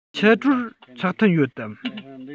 ཕྱི དྲོར ཚོགས ཐུན ཡོད དམ